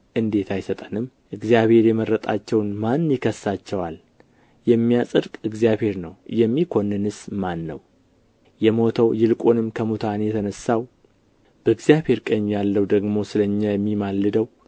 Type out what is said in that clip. እንዴት አይሰጠንም እግዚአብሔር የመረጣቸውን ማን ይከሳቸዋል የሚያጸድቅ እግዚአብሔር ነው የሚኰንንስ ማን ነው የሞተው ይልቁንም ከሙታን የተነሣው በእግዚአብሔር ቀኝ ያለው ደግሞ ስለ እኛ የሚማልደው